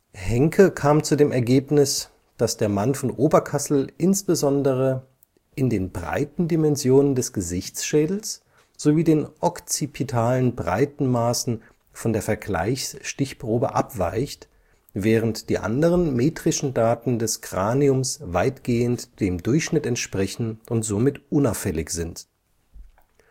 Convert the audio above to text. Henke kam zu dem Ergebnis, dass der Mann von Oberkassel insbesondere „ in den Breitendimensionen des Gesichtsschädels (Jochbogenbreite, Unter­kiefer­winkel­breite, Orbitabreite) sowie den occipitalen Breitenmaßen “von der Vergleichs­stich­probe abweicht, „ während die anderen metrischen Daten des Craniums weitgehend dem Durchschnitt entsprechen und somit unauffällig sind “. Die